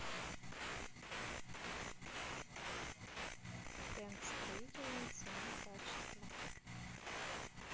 тент строительный цена качество